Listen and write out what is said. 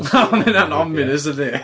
Oo mae hynna'n ominous yndi.